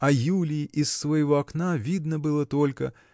А Юлии из своего окна видно было только